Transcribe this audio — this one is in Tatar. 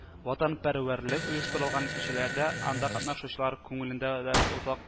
Ватанпәрвәрлек оештырылган кичәләрдә, анда катнашучылар күңелендә дә озак